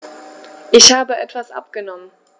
Ich habe etwas abgenommen.